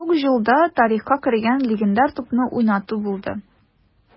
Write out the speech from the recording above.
Шул ук елда тарихка кергән легендар тупны уйнату булды: